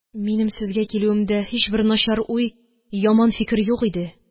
Минем сезгә килүемдә һичбер начар уй, яман фикер юк иде...